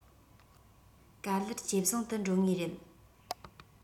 ག ལེར ཇེ བཟང དུ འགྲོ ངེས རེད